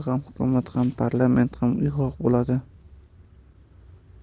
ham hukumat ham parlament ham uyg'oq bo'ladi